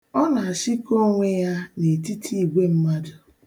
Ọ na-ashịkọ onwe ya n'etiti igwe mmadụ.